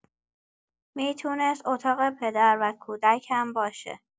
می‌تونست اتاق پدر و کودک هم باشه.